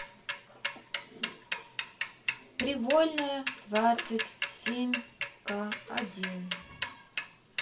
привольная двадцать семь ка один